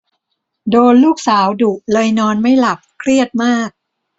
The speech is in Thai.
โดนลูกสาวดุเลยนอนไม่หลับเครียดมาก